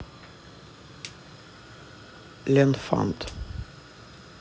лен фант